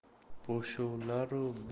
podsholaru bolamizni ajalning